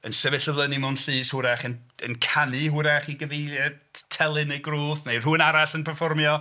Yn sefyll o flaen ni mewn llys wrach yn yn canu wrach i gyfeiliant telyn neu grwth, neu rhywun arall yn perfformio.